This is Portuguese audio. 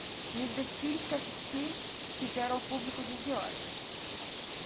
nos desfiles que assisti fizeram o público de idiota